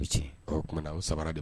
K tuma o sama de